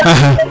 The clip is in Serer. axa